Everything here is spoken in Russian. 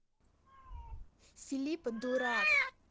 филиппа дурак